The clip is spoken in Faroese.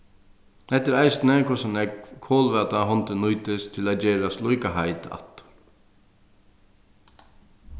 hetta er eisini hvussu nógv kolvæta hondin nýtist til at gerast líka heit aftur